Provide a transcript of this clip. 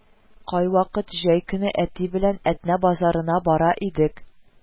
Кайвакыт җәй көне әти белән Әтнә базарына бара идек